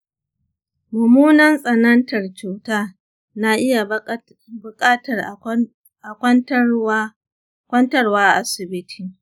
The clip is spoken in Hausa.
mummunan tsanantar cuta na iya buƙatar a kwantarwa a asibiti.